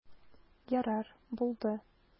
Ярар, булды.